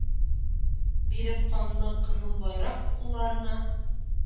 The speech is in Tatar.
Биреп канлы кызыл байрак кулларына,